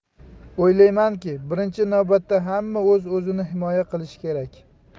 o'ylaymanki birinchi navbatda hamma o'z o'zini himoya qilishi kerak